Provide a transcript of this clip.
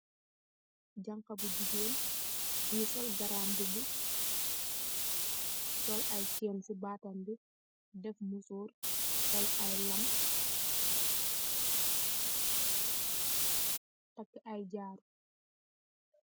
janha bu jigeen sol garam bubu takk jaru ak musoru.